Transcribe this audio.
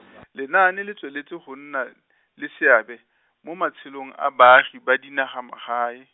lenaane le tsweletse go nna, le seabe, mo matshelong a baagi ba dinaga magae.